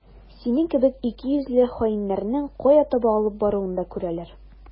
Синең кебек икейөзле хаиннәрнең кая таба алып баруын да күрәләр.